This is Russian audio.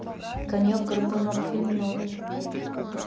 конек горбунок фильм новый